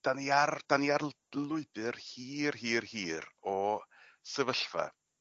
'dan ni ar 'dan ni ar l- lwybyr hir hir hir o sefyllfa...